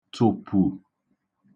tụ̀pù